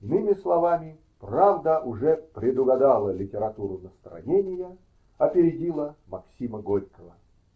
Иными словами, "Правда" уже предугадала "литературу настроения", опередила Максима Горького.